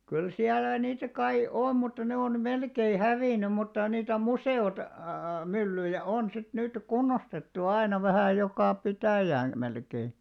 kyllä siellä niitä kai on mutta ne on melkein hävinnyt mutta niitä - museomyllyjä on sitten nyt kunnostettu aina vähän joka pitäjään melkein